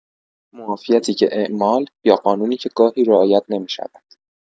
معافیتی که اعمال یا قانونی که گاهی رعایت نمی‌شود.